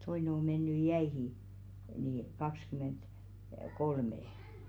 toinen on mennyt jäihin niin - kaksikymmentäkolme